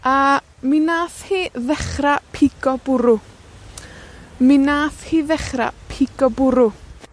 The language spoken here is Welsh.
a mi nath hi ddechra pigo bwrw. Mi nath hi ddechra pigo bwrw.